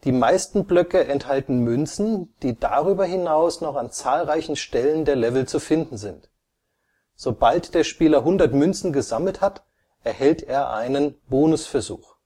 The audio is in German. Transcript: meisten Blöcke enthalten Münzen, die darüber hinaus noch an zahlreichen Stellen der Level zu finden sind. Sobald der Spieler 100 Münzen gesammelt hat, erhält er einen Bonusversuch